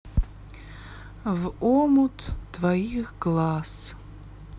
в омут твоих глаз